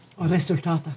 og resultatet.